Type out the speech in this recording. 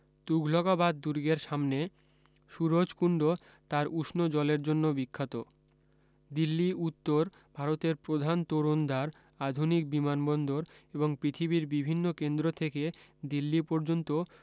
তুঘলকাবাদ দুর্গের সামনে সুরজকুন্ড তার উষ্ণ জলের জন্য বিখ্যাত দিল্লী উত্তর ভারতের প্রধান তোরনদ্বার আধুনিক বিমানবন্দর এবং পৃথিবীর বিভিন্ন কেন্দ্র থেকে দিল্লী পর্যন্ত